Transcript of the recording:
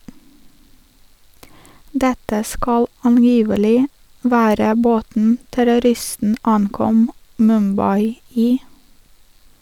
Dette skal angivelig være båten terroristen ankom Mumbai i.